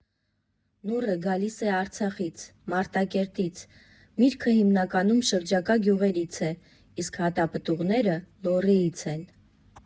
Նուռը գալիս է Արցախից՝ Մարտակերտից, միրգը հիմնականում շրջակա գյուղերից է, իսկ հատապտուղները Լոռիից են։